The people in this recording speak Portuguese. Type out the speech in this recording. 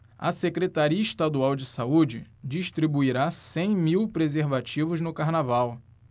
a secretaria estadual de saúde distribuirá cem mil preservativos no carnaval